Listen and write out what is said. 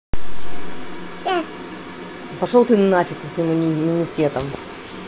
пошел ты нафиг своим иммунитетом